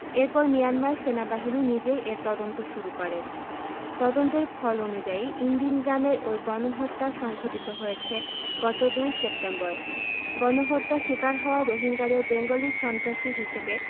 এরপর মিয়ানমার সেনাবাহিনী নিজেই এর তদন্ত শুরু করে তদন্তের ফল অনুযায়ী ইনদিন গ্রামের ওই গণহত্যা সংঘটিত হয়েছে গত ২ সেপ্টেম্বর গণহত্যার শিকার হওয়া রোহিঙ্গাদের বেঙ্গলি সন্ত্রাসী হিসেবে